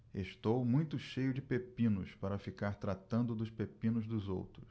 estou muito cheio de pepinos para ficar tratando dos pepinos dos outros